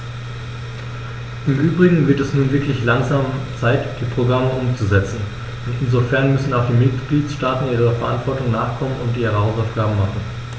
Im übrigen wird es nun wirklich langsam Zeit, die Programme umzusetzen, und insofern müssen auch die Mitgliedstaaten ihrer Verantwortung nachkommen und ihre Hausaufgaben machen.